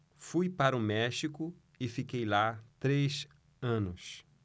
fui para o méxico e fiquei lá três anos